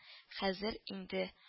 Хәзер инде